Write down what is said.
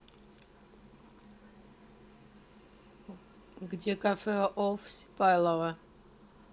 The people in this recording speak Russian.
где cafe of сипайлово